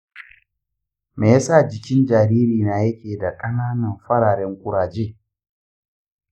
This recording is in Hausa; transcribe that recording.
me ya sa jikin jaririna yake da ƙananan fararen ƙuraje?